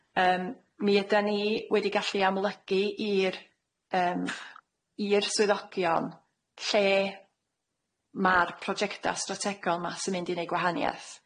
Yym mi ydan ni wedi gallu amlygu i'r yym i'r swyddogion lle ma'r projecta' strategol 'ma sy'n mynd i neud gwahaniaeth.